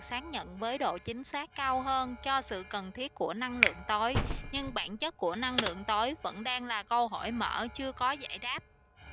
xác nhận với độ chính xác cao hơn cho sự cần thiết của năng lượng tối nhưng bản chất của năng lượng tối vẫn đang là câu hỏi mở chưa có giải đáp